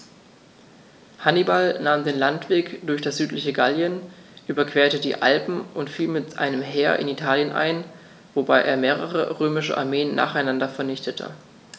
Hannibal nahm den Landweg durch das südliche Gallien, überquerte die Alpen und fiel mit einem Heer in Italien ein, wobei er mehrere römische Armeen nacheinander vernichtete.